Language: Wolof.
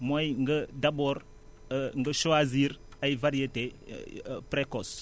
mooy nga d' abord nga choisir ay variétés précoces